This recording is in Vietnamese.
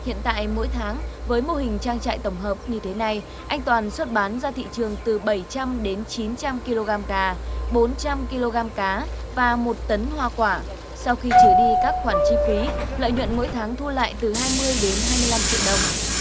hiện tại mỗi tháng với mô hình trang trại tổng hợp như thế này anh toàn xuất bán ra thị trường từ bảy trăm đến chín trăm ki lô gam gà bốn trăm ki lô gam cá và một tấn hoa quả sau khi trừ đi các khoản chi phí lợi nhuận mỗi tháng thu lại từ hai mươi đến hai mươi lăm triệu đồng